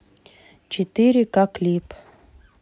четыре ка клип